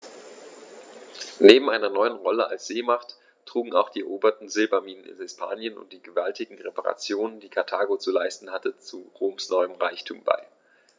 Neben seiner neuen Rolle als Seemacht trugen auch die eroberten Silberminen in Hispanien und die gewaltigen Reparationen, die Karthago zu leisten hatte, zu Roms neuem Reichtum bei.